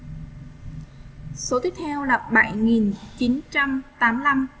số tiếp theo là